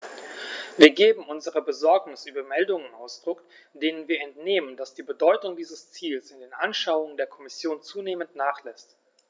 Wir geben unserer Besorgnis über Meldungen Ausdruck, denen wir entnehmen, dass die Bedeutung dieses Ziels in den Anschauungen der Kommission zunehmend nachlässt.